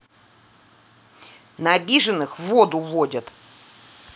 на обиженых воду водят